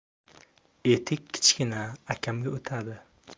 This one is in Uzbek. etik kichkina akamga o'tadi